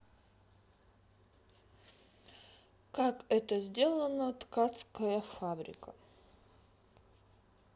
как это сделано ткацкая фабрика